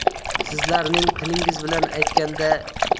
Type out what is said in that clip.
sizlarning tilingiz bilan